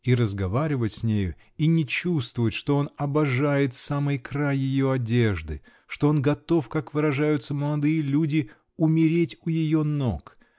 -- и разговаривать с нею, и не чувствовать, что он обожает самый край ее одежды, что он готов, как выражаются молодые люди, "умереть у ее ног".